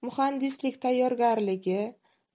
muhandislik tayyorgarligi